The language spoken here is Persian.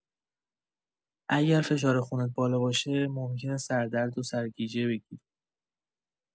اگر فشارخونت بالا باشه، ممکنه سردرد و سرگیجه بگیری.